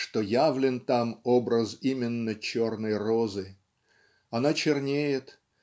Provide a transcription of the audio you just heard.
что явлен там образ именно черной розы. Она чернеет